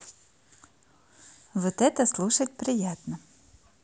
вот это слушать приятно